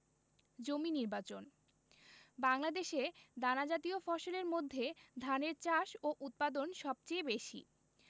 জমি নির্বাচন বাংলাদেশে দানাজাতীয় ফসলের মধ্যে ধানের চাষ ও উৎপাদন সবচেয়ে বেশি